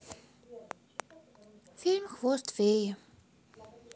фильм хвост феи